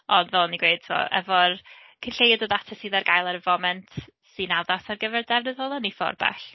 Ond fel o'n i'n gweud tibod, efo'r cyn lleied o ddata sydd ar gael ar y foment sy'n addas ar gyfer defnydd fel 'na, ni ffordd bell.